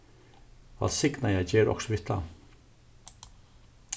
vælsignaða ger okkurt við tað